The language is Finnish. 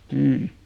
mm